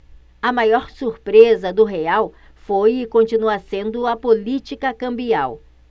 a maior surpresa do real foi e continua sendo a política cambial